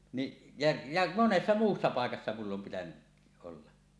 niin ja ja monessa muussa paikassa minulla on pitänyt olla